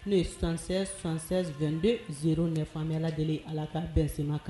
Ne ye san san702 bɛ ze nafafan bɛla lajɛlen ala ka bɛnsenma kan